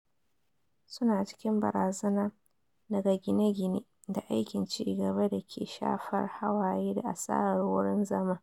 Su na cikin barazana daga gine-gine da aikin ci gaba da ke shafar hawaye da asarar wurin zama.